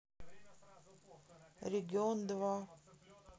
регион два